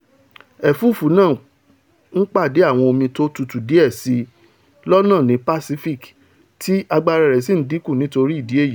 Ẹ̀fúùfù náà ńpàdé àwọn omi tó tutú díẹ̀ síi lọ́nà ní Pacific tí agbára rẹ̀ sì ń dínkù nítorí ìdí èyí.